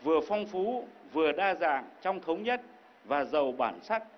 vừa phong phú vừa đa dạng trong thống nhất và giàu bản sắc